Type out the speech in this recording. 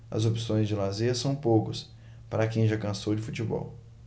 as opções de lazer são poucas para quem já cansou de futebol